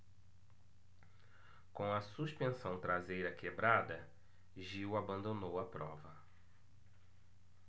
com a suspensão traseira quebrada gil abandonou a prova